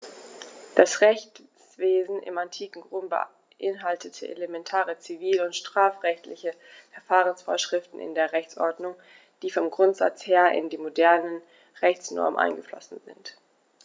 Das Rechtswesen im antiken Rom beinhaltete elementare zivil- und strafrechtliche Verfahrensvorschriften in der Rechtsordnung, die vom Grundsatz her in die modernen Rechtsnormen eingeflossen sind.